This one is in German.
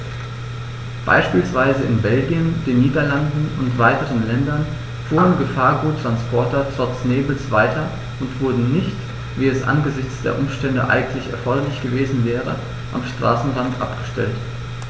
Beispielsweise in Belgien, den Niederlanden und weiteren Ländern fuhren Gefahrguttransporter trotz Nebels weiter und wurden nicht, wie es angesichts der Umstände eigentlich erforderlich gewesen wäre, am Straßenrand abgestellt.